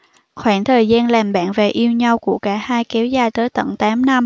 khoảng thời gian làm bạn và yêu nhau của cả hai kéo dài tới tận tám năm